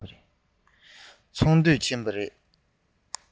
ཚོགས འདུལ ལ ཕྱིན པ རེད